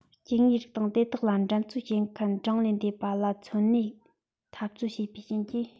སྐྱེ དངོས རིགས དང དེ དག ལ འགྲན རྩོད བྱེད མཁན གྲངས ལས འདས པ ལ འཚོ གནས འཐབ རྩོད བྱས པའི རྐྱེན གྱིས